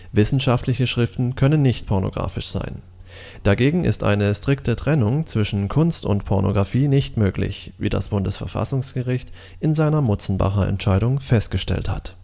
Wissenschaftliche Schriften können nicht pornografisch sein. Dagegen ist eine strikte Trennung zwischen Kunst und Pornografie nicht möglich, wie das Bundesverfassungsgericht in seiner Mutzenbacher-Entscheidung festgestellt hat